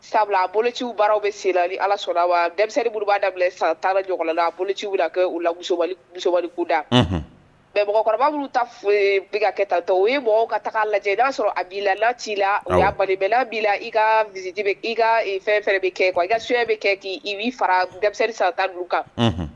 Sabula boloci baaraw bɛ se ni ala sɔrɔ wa dɛriuruba dabilata jɔla boloci u da mɔgɔkɔrɔba ta foyi bi ka kɛtatɔ u ye mɔgɔ ka taga lajɛ i y'a sɔrɔ a' la laci la o' balila la i kaji i ka fɛn fɛ bɛ kɛ i ka sunjata bɛ kɛ k' i' fara denmisɛnninri saratauru kan